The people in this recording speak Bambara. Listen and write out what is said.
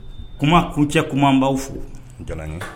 Kuma kuncɛ kuma an b'aw fo jal'an ye